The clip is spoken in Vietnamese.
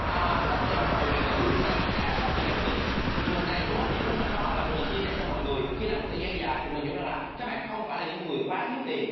à sách học viện ngoại ngữ hoặc cả sách vở giáo trình tụi mình đầy đủ hết những cuốn sách đó và tụi mình chia sẻ cho mọi người khi làm một thời gian dài thì mình hiểu rằng là các bạn không phải là những người quá thiếu tiền